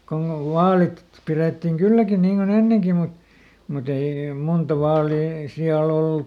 kun on vaalit pidettiin kylläkin niin kuin ennenkin mutta mutta ei monta vaalia -